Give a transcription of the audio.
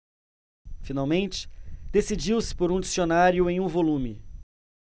finalmente decidiu-se por um dicionário em um volume